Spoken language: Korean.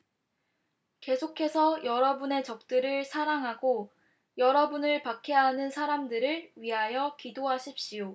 계속해서 여러분의 적들을 사랑하고 여러분을 박해하는 사람들을 위하여 기도하십시오